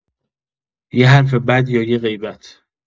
یه حرف بد یا یه غیبت